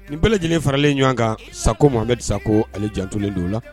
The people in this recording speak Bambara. Nin bɛɛ lajɛlen faralen ɲɔgɔn kan Sako Muhamɛdi Sako ale jantolen don o la.